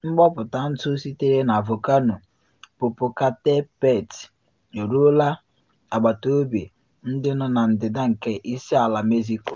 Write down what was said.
Mgbọpụta ntụ sitere na volkano Popocatepetl eruola agbatobi ndị nọ na ndịda nke isi ala Mexico.